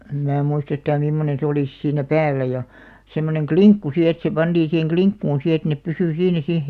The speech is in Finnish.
en minä muista yhtään mimmoinen se oli siinä päällä ja semmoinen linkku sitten että se pantiin siihen linkkuun sitten että ne pysyi siinä sitten